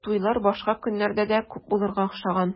Туйлар башка көннәрдә дә күп булырга охшаган.